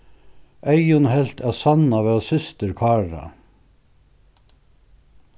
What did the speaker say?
eyðun helt at sanna var systir kára